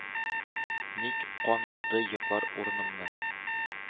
Ник кан юды йоклар урнымны?